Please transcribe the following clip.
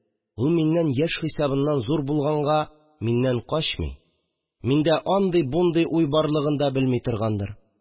Ул миннән яшь хисабыннан зур булганга миннән качмый, миндә андый-мондый уй барлыгын да белми торгандыр